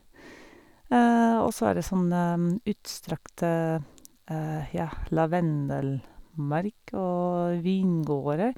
Og så er det sånne utstrakte, ja, lavendelmark og vingårder.